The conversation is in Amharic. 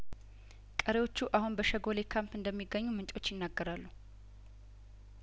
ቀሪዎቹ አሁን በሸጐሌ ካምፕ እንደሚገኙ ምንጮቹ ይናገራሉ